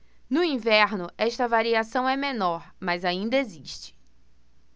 no inverno esta variação é menor mas ainda existe